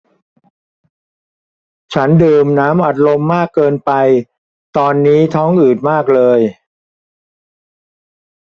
ฉันดื่มน้ำอัดลมมากเกินไปตอนนี้ท้องอืดมากเลย